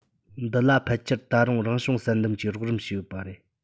འདི ལ ཕལ ཆེར ད དུང རང བྱུང བསལ འདེམས ཀྱིས རོགས རམ བྱས ཡོད པ རེད